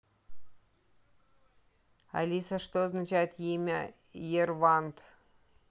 алиса что означает имя ерванд